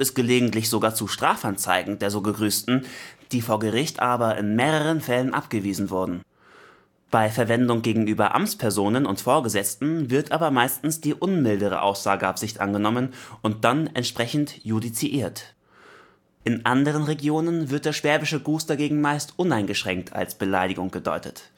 gelegentlich sogar zu Strafanzeigen der so Gegrüßten, die vor Gericht aber in mehreren Fällen abgewiesen wurden. Bei Verwendung gegenüber Amtspersonen und Vorgesetzten wird aber regelmäßig die unmildere Aussageabsicht angenommen und dann entsprechend judiziert. In anderen Regionen wird der Schwäbische Gruß dagegen meist uneingeschränkt als Beleidigung gedeutet